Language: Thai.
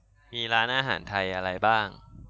มีร้านอาหารไทยอะไรบ้าง